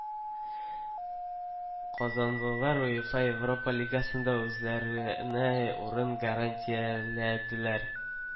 Казанлылар УЕФА Европа Лигасында үзләренә урын гарантияләделәр.